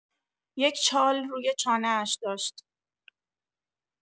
یک چال روی چانه‌اش داشت.